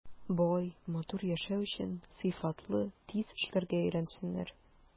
Бай, матур яшәү өчен сыйфатлы, тиз эшләргә өйрәнсеннәр.